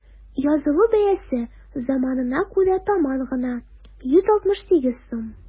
Язылу бәясе дә заманына күрә таман гына: 168 сум.